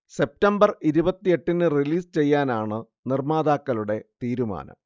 September ഇരുപത്തിയെട്ടിന് release ചെയ്യാനാണ് നിർമ്മാതാക്കളുടെ തീരുമാനം